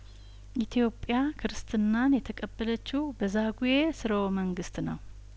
ኢትዮጵያ ክርስትናን የተቀበለችው በዛጔ ስርወ መንግስት ነው